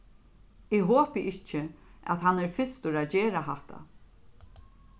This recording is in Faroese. eg hopi ikki at hann er fyrstur at gera hatta